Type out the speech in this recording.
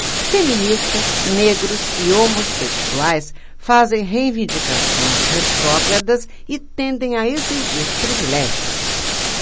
feministas negros e homossexuais fazem reivindicações retrógradas e tendem a exigir privilégios